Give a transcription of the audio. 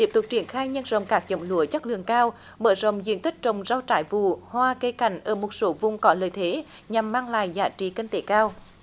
tiếp tục triển khai nhân rộng các giống lúa chất lượng cao mở rộng diện tích trồng rau trái vụ hoa cây cảnh ở một số vùng có lợi thế nhằm mang lại giá trị kinh tế cao